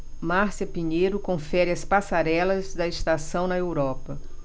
márcia pinheiro confere as passarelas da estação na europa